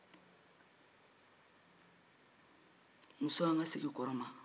musow an ka segin kɔrɔlen ma